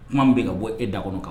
Kuma min bɛ ka bɔ e da kɔnɔ